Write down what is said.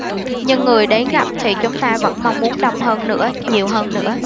nhưng người đến gặp thì chúng ta vẫn mong muốn đông hơn nữa nhiều hơn nữa